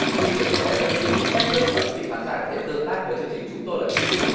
khi được chia sẻ tới quý vị những cách thức mà quý vị khán giả có thể tương tác với chương trình chúng tôi là chiến sĩ